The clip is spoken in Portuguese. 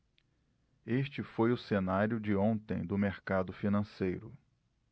este foi o cenário de ontem do mercado financeiro